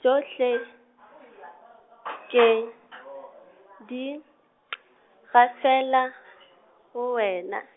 tšohle , ke, di , gafela, go wena.